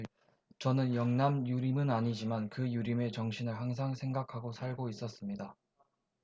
저는 영남 유림은 아니지만 그 유림의 정신을 항상 생각하고 살고 있었습니다